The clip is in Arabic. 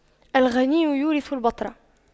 الغنى يورث البطر